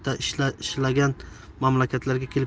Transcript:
qayta ishlagan mamlakatlarga kelib tushardi